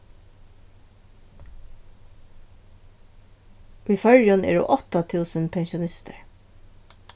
í føroyum eru átta túsund pensjonistar